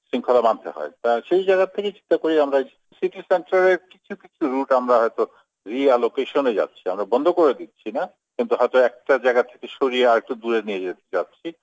শৃঙ্খলা মানতে হয় সেই জায়গা থেকে চিন্তা করে আমরা সিটি সেন্টারের কিছু কিছু রুট আমরা হয়তো রিএলোকেশনে যাচ্ছি আমরা বন্ধ করে দিচ্ছি না কিন্তু হয়তো একটা জায়গা থেকে সরিয়ে আর একটু দুরে নিয়ে যেতে চাচ্ছি